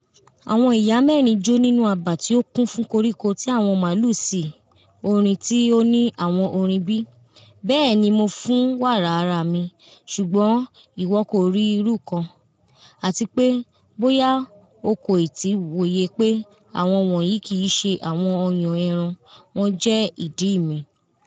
Awọn iya mẹrin jó nínú abà ti o kún fun koriko ti awọn maalu si orin ti o ni awọn orin bi: "Bẹẹni, Mo fun wara ara mi, ṣugbọn iwọ ko ri iru kan" ati pe boya o koiti woye pe awọn wọnyi kii ṣe awọn ọyọn ẹran, wọn jẹ idi mi."